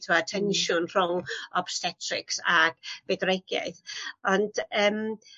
T'wbo' tensiwn rhwng obstetrics a bydwreigiaeth. Ond yym